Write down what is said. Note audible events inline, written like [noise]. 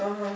[hesitation] [hesitation]